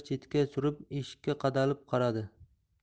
chetga surib eshikka qadalib qaradi